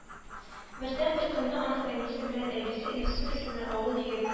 Бердәнбер көнне аны әнисе белән әбисе Илсур исемле авыл егет